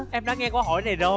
em đã nghe câu hỏi này rồi